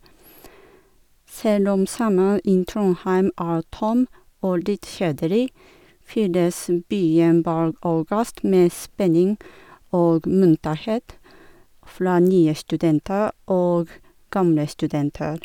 Selv om sommer i Trondheim er tom og litt kjedelig, fylles m byen bare august med spenning og munterhet fra nye studenter og gamle studenter.